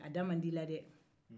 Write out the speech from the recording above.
a da man di i la dɛɛ